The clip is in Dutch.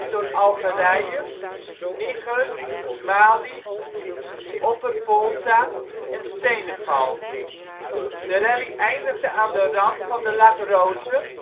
door Algerije, Niger, Mali, Opper-Volta en Senegal. De rally eindigde aan de rand van de Lac Rose